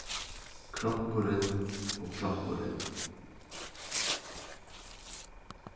kroppurin og proppurin